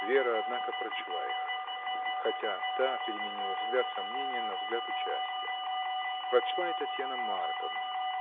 Вера, однако, прочла их, хотя та переменила взгляд сомнения на взгляд участия. Прочла и Татьяна Марковна.